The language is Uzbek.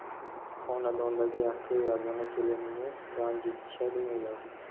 xonadondagi yakkayu yagona kelinini ranjitishadimi ular